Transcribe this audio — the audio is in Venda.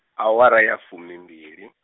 awara ya fumimbili.